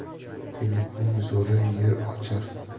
yigitning zo'ri yer ochar